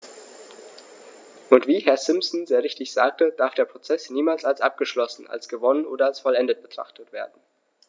Und wie Herr Simpson sehr richtig sagte, darf der Prozess niemals als abgeschlossen, als gewonnen oder als vollendet betrachtet werden.